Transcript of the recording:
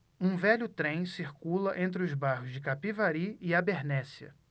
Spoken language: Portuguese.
um velho trem circula entre os bairros de capivari e abernéssia